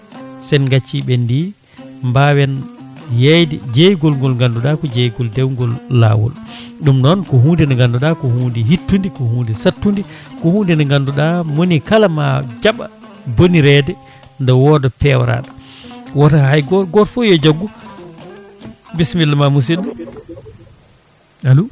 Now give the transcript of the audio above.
sen gacci ɓendi mbawen yeeyde jeygol ngol ganduɗa ko jeygol dewgol lawol ɗum noon ko hunde nde ganduɗa ko hunde yittude ko hunde sattude ko hunde nde ganduɗa monikala ma jaaɓa bonirede nde wooda pewraɗo goto hay goto goto foof yo ko bisimillama musidɗo alo